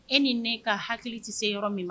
E ni ne ka hakili tɛ se yɔrɔ min na